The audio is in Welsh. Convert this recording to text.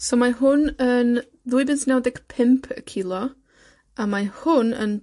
So mae hwn yn ddwy bunt naw deg pump y kilo, a mae hwn yn